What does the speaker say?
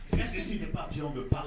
Sɛgɛkisɛsi tɛ banpi don ba